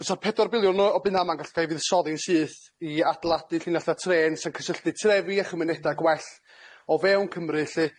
Fysa'r pedwar biliwn o o bunna yma yn gallu ca'l fuddsoddi'n syth i adeiladu llinella' trên 'se'n cysylltu trefi a chymuneda gwell o fewn Cymru 'lly.